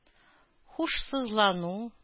Һушсызлану